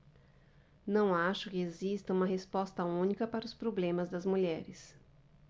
não acho que exista uma resposta única para os problemas das mulheres